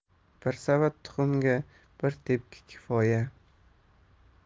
bir savat tuxumga bir tepki kifoya